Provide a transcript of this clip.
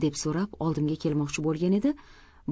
deb so'rab oldimga kelmoqchi bo'lgan edi